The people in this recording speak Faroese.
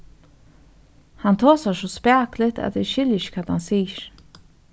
hann tosar so spakuligt at eg skilji ikki hvat hann sigur